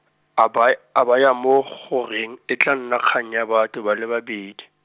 a bay-, a baya mo go reng, e tla nna kgang ya batho ba le babedi.